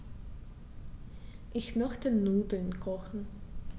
Ich möchte Nudeln kochen.